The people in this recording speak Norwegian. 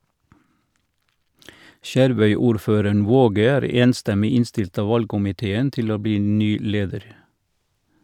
Skjervøy-ordføreren Waage er enstemmig innstilt av valgkomiteen til å bli ny leder.